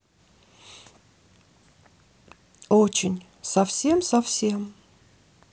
очень совсем совсем